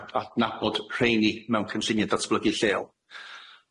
at- adnabod rheini mewn cynllunie datblygu lleol.